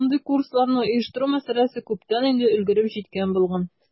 Мондый курсларны оештыру мәсьәләсе күптән инде өлгереп җиткән булган.